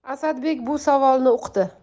asadbek bu savolni uqdi